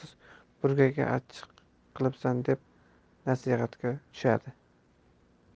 shubhasiz burgaga achchiq qilibsan deb nasihatga tushadi